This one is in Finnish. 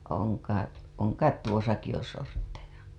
on kait on kai tuossakin jo sortteja